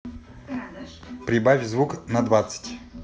прибавь звук на двадцать